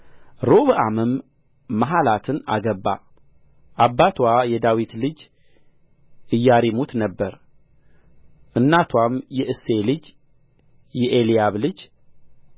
ሮብዓምም መሐላትን አገባ አባትዋ የዳዊት ልጅ ኢያሪሙት ነበረ እናትዋም የእሴይ ልጅ የኤልያብ ልጅ